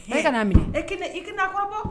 E kana min e i kana kɔrɔbɔ